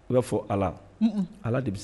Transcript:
I'a fɔ ala ala de